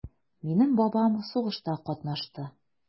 Минем бабам сугышта катнашты.